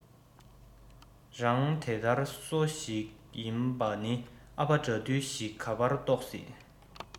རང དེ དར སོ ཞིག ཡིན པ ནི ཨ ཕ དགྲ འདུལ གི ག པར རྟོག སྲིད